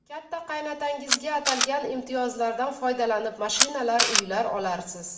katta qaynotangizga atalgan imtiyozlardan foydalanib mashinalar uylar olarsiz